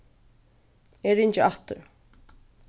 eg ringi aftur